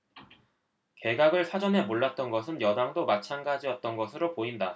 개각을 사전에 몰랐던 것은 여당도 마찬가지 였던 것으로 보인다